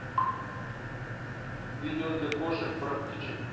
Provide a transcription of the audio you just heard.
видео для кошек про птичек